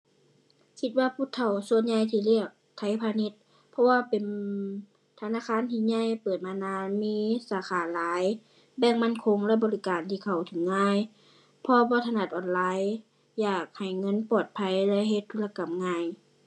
คิดว่าผู้เฒ่าส่วนใหญ่ที่เลือกไทยพาณิชย์ เพราะว่าเป็นธนาคารที่ใหญ่ เปิดมานาน มีสาขาหลาย แบงก์มั่นคง และบริการที่เข้าถึงง่าย พอบ่ถนัดออนไลน์ อยากให้เงินปลอดภัย และเฮ็ดธุรกรรมง่าย